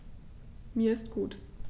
Mir ist gut.